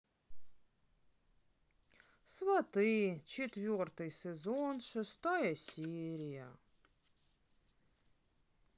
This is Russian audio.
сваты четвертый сезон шестая серия